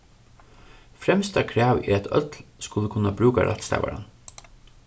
fremsta kravið er at øll skulu kunna brúka rættstavaran